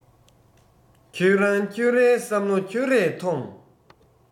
ཁྱོད རང ཁྱོད རའི བསམ བློ ཁྱོད རས ཐོངས